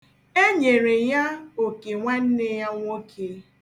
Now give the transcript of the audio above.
E nyere ya oke nwanne ya nwoke.